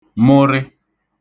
mụrị